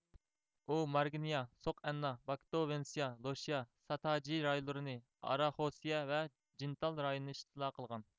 ئۇ مارگنيا سوق ئەننا باكتوۋنسىيا لوشيا ساتاجى رايونلىرىنى ئاراخوسيە ۋە جىنتال رايونىنى ئىستىلا قىلغان